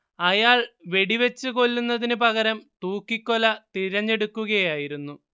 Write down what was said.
അയാൾ വെടിവച്ച് കൊല്ലുന്നതിനു പകരം തൂക്കിക്കൊല തിരഞ്ഞെടുക്കുകയായിരുന്നു